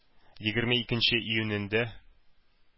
Егерме икенче июнендә